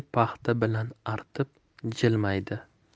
paxta bilan artib jilmaydi